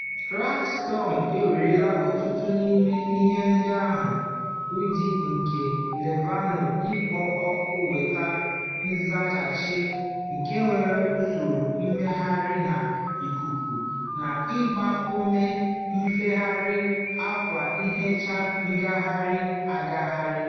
Rag Storm nwere ọtụtụ n'ime ihe ndị ahụ — ụdị nke lavụwee ịkpọ oku nweta nzaghachi, nke nwere usoro mmegharị n'ikuku na-agba ume ifegharị akwa nhicha aghara aghara.